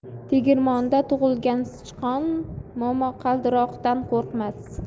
tegirmonda tug'ilgan sichqon momaqaldiroqdan qo'rqmas